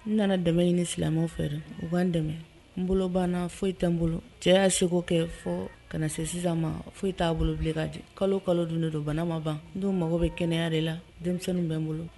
N nana dɛmɛ ɲini silamɛw fɛ u b'an dɛmɛ n bolo banna foyi t tɛ n bolo cɛ y'a seko kɛ fɔ ka na se sisan ma foyi t'a bolo bilen ka di kalo kalo dunnen don bana ma ban n don mago bɛ kɛnɛya de la denmisɛnnin bɛ n bolo